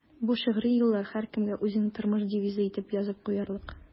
Бу шигъри юллар һәркемгә үзенең тормыш девизы итеп язып куярлык.